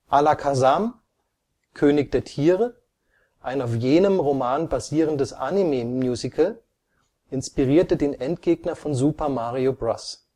Alakazam – König der Tiere, ein auf jenem Roman basierendes Anime-Musical, inspirierte den Endgegner von Super Mario Bros